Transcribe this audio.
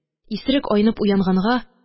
Исерек айнып уянганга